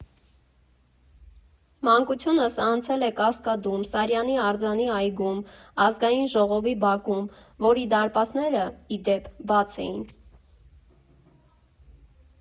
Մանկությունս անցել է Կասկադում, Սարյանի արձանի այգում, Ազգային ժողովի բակում, որի դարպասներն, ի դեպ, բաց էին.